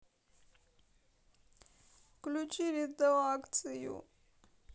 включи редакцию